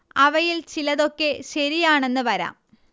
അവയിൽ ചിലതൊക്കെ ശരിയാണെന്ന് വരാം